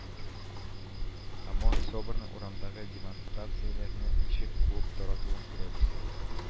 ОМОН, СОБРның урамдагы демонстрацияләрне ничек куып таратуын күрәбез